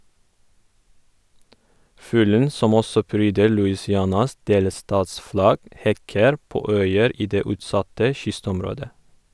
Fuglen, som også pryder Louisianas delstatsflagg, hekker på øyer i det utsatte kystområdet.